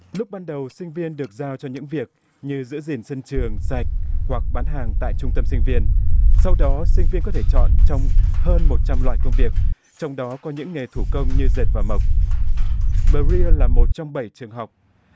lúc ban đầu sinh viên được giao cho những việc như giữ gìn sân trường sạch hoặc bán hàng tại trung tâm sinh viên sau đó sinh viên có thể chọn trong hơn một trăm loại công việc trong đó có những nghề thủ công như dệt và mộc pờ ria là một trăm bảy trường học